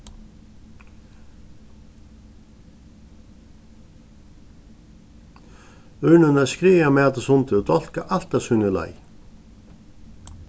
ørnirnar skræða matin sundur og dálka alt á síni leið